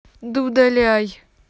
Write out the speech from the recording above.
да удаляй